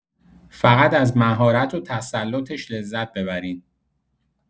فقط از مهارت و تسلطش لذت ببرین